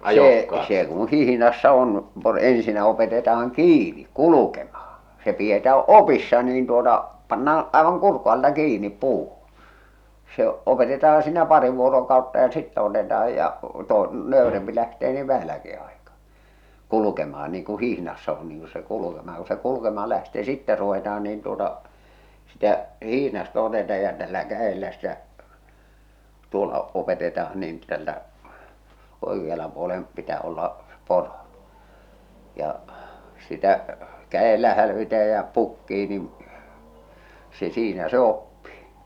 se se kun hihnassa on - ensinnä opetetaan kiinni kulkemaan se pidetään opissa niin tuota pannaan aivan kurkun alta kiinni puuhun se opetetaan siinä pari vuorokautta ja sitten otetaan ja - nöyrempi lähtee niin vähälläkin aikaa kulkemaan niin kun hihnassa on niin kun se kulkemaan ja kun se kulkemaan lähtee niin sitten ruvetaan niin tuota sitä hihnasta otetaan ja tällä kädellä sitä tuolla opetetaan niin tältä oikealla puolen pitää olla se poro ja sitä kädellä hälvitä ja pukkia niin se siinä se oppii